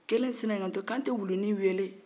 kelen sin k'i kan k'an te wuluni weele